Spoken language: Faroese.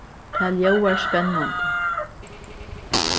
tað ljóðar spennandi